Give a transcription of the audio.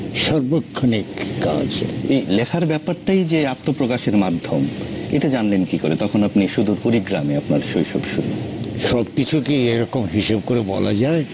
সার্বক্ষণিক কাজ এই লেখার ব্যাপারটাই যে আত্ম প্রকাশের মাধ্যম এটা জানলেন কি করে তখন আপনি সুদূর কুড়িগ্রামে আপনার শৈশব শুরু সবকিছু কি এরকম হিসেব করে বলা যায়